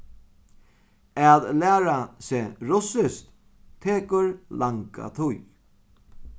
at læra seg russiskt tekur langa tíð